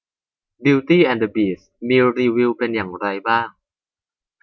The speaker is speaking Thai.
บิวตี้แอนด์เดอะบีสต์มีรีวิวเป็นอย่างไรบ้าง